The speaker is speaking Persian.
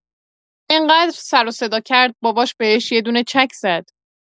انقدر سر و صدا کرد باباش بهش یه دونه چک زد